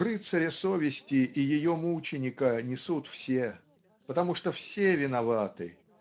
рыцаря совести и ее мученика несут все потому что все виноваты.